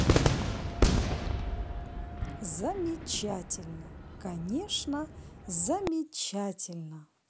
замечательно конечно замечательно